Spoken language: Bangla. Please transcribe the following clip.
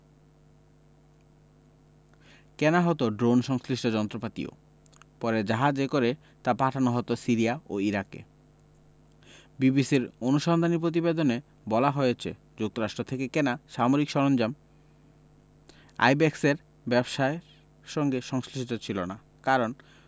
কেনা হতো ড্রোন সংশ্লিষ্ট যন্ত্রপাতিও পরে জাহাজে করে তা পাঠানো হতো সিরিয়া ও ইরাকে বিবিসির অনুসন্ধানী পতিবেদনে বলা হয়েছে যুক্তরাষ্ট্র থেকে কেনা সামরিক সরঞ্জাম আইব্যাকসের ব্যবসার সঙ্গে সংশ্লিষ্ট ছিল না কারণ